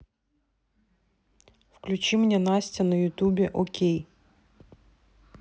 включи мне настя на ютубе окей